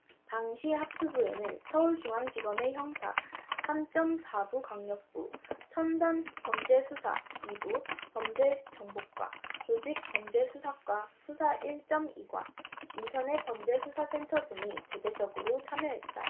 당시 합수부에는 서울중앙지검의 형사 삼 쩜 사 부 강력부 첨단범죄수사 이 부 범죄정보과 조직범죄수사과 수사 일 쩜 이 과 인터넷범죄수사센터 등이 대대적으로 참여했다